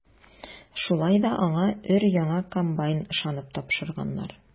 Шуңа да аңа өр-яңа комбайн ышанып тапшырганнар.